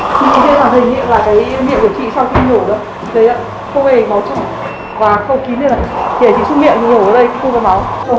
các bạn có thể thấy trên màn hình là miệng chị ấy sau khi nhổ không hề có máu chảy và khâu kín đây này chị súc miệng nhổ ra đây cũng không thấy máu